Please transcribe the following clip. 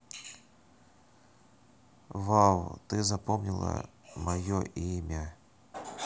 вау ты запомнила мое имя